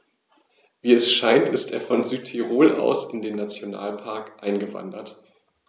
Wie es scheint, ist er von Südtirol aus in den Nationalpark eingewandert.